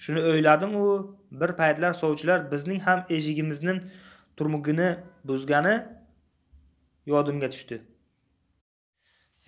shuni o'yladimu bir vaqtlar sovchilar bizning ham eshigimizning turmugini buzgani yodimga tushdi